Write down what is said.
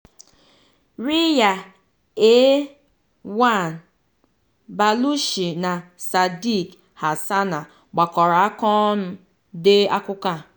Riyadh Al Balushi na Sadeek Hasna gbakọrọ aka dee akụkọ a.